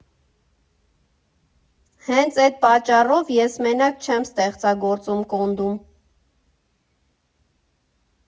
Հենց էդ պատճառով ես մենակ չեմ ստեղծագործում Կոնդում։